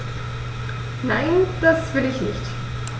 Nein, das will ich nicht.